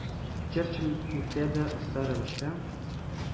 Черчилль үтә дә оста рәвештә